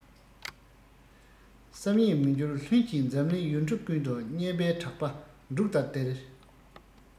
བསམ ཡས མི འགྱུར ལྷུན གྱིས འཛམ གླིང ཡུལ གྲུ ཀུན ཏུ སྙན པའི གྲགས པ འབྲུག ལྟར ལྡིར